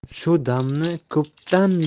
shu damni ko'pdan